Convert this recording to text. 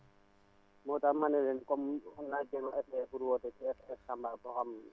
moo tax ma ne leen comme naa jéem a essayé pour woote * ba xam